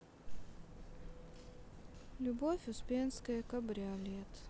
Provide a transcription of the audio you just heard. любовь успенская кабриолет